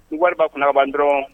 N lariba kunnaban n dɔrɔn